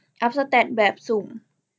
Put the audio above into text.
อัพแสตทแบบสุ่ม